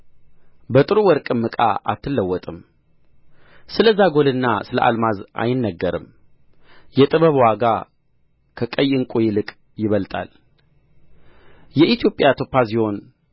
በጥሩ ወርቅም ዕቃ አትለወጥም ስለ ዛጐልና ስለ አልማዝ አይነገርም የጥበብ ዋጋ ከቀይ ዕንቍ ይልቅ ይበልጣል የኢትዮጵያ ቶጳዝዮን